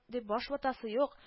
Дип баш ватасы юк